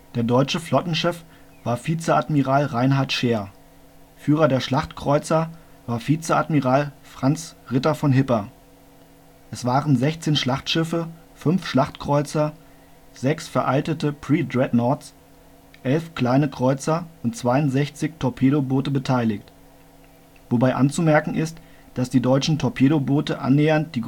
deutsche Flottenchef war Vizeadmiral Reinhard Scheer, Führer der Schlachtkreuzer war Vizeadmiral Franz Ritter von Hipper. Es waren 16 Schlachtschiffe, 5 Schlachtkreuzer, 6 veraltete Pre-Dreadnoughts, 11 Kleine Kreuzer und 62 Torpedoboote beteiligt. Wobei anzumerken ist, dass die deutschen Torpedoboote annähernd die